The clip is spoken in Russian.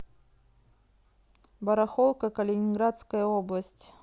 барахолка калининградская область